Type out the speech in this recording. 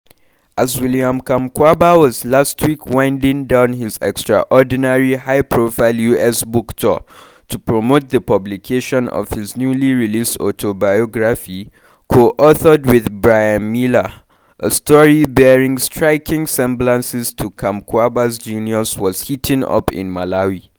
As William Kamkwamba was last week winding down his extraordinary, high profile US book tour to promote the publication of his newly released autobiography, co-authored with Bryan Mealer, a story bearing striking semblances to Kamkwamba's genius was heating up in Malawi.